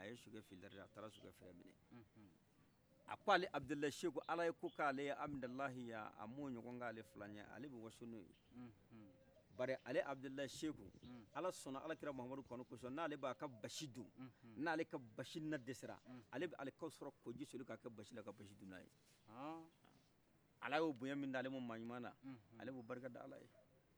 k'ale abudulaye seku ala ye kok'ale amidalayi yan amo ɲɔgɔn k'ale filaye ale bi waso n'oye bari ale abudulayi seku alasɔnna alakira muhamadu kanu kɔsɔ n'ale b'aka basi dun n'ale ka na dɛsɛra ale b'alikawusara kɔji soli ka basi dunnaye ala y'o boyan min d'alema maɲuma yala ale bo barkada aleye